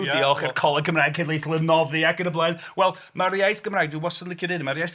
Diolch i'r Coleg Cymraeg Cenedlaethol yn noddi ac yn y blaen. Wel, mae'r iaith Gymraeg... Dwi wastad yn licio deud o, mae'r iaith...